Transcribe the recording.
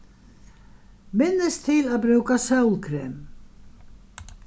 minnist til at brúka sólkrem